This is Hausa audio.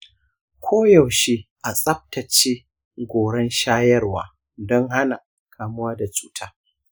koyaushe a tsaftace goran shayarwa don hana kamuwa da cuta.